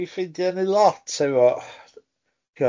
Fi'n ffeindio ni lot efo tibo,